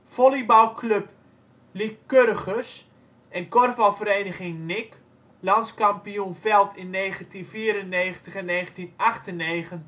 Volleybalclub Lycurgus en korfbalvereniging Nic. (landskampioen veld 1994 en 1998